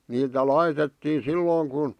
niitä laitettiin silloin kun